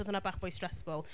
Bydde hwnna bach mwy stressful.